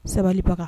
Sabalibaga